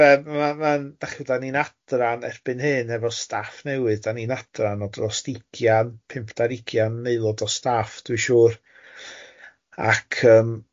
Ond yy ma' ma'n dach chi'n gwybod dan ni'n adran erbyn hyn efo staff newydd, dan ni'n adran o dros ddegian, pumpdaregian aelod o staff dwi'n siŵr, ac yym.